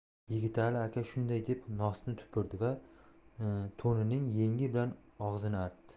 yigitali aka shunday deb nosni tupurdi da to'nining yengi bilan og'zini artdi